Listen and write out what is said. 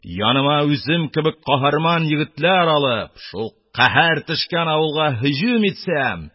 Яныма үзем кебек каһарман егетләр алып, шул каһәр төшкән авылга һөҗүм итсәм